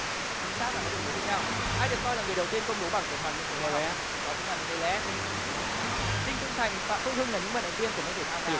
chính xác bạn có điểm mười tiếp theo ai được coi là người đầu tiên công bố bảng tuần hoàn nguyên tố hóa học đó chính là men đê lê ép đinh phương thành phạm phước hưng là những vận động viên của môn thể thao nào